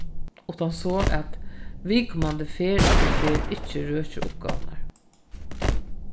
uttan so at viðkomandi ferð eftir ferð ikki røkir uppgávurnar